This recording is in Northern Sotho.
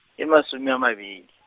e masome a mabedi.